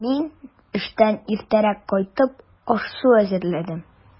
Мин, эштән иртәрәк кайтып, аш-су әзерләдем.